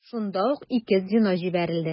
Шунда ук ике звено җибәрелде.